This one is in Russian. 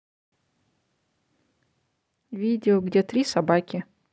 видео где три собаки